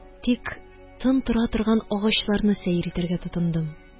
Тик, тын тора торган агачларны сәер итәргә тотындым